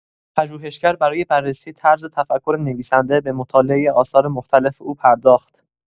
پژوهشگر برای بررسی طرز تفکر نویسنده، به مطالعه آثار مختلف او پرداخت.